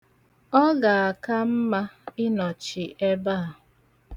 Ọ ga aka mma inọchi ebe a.